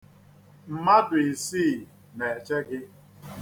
Mmadụ isii na-eche gị.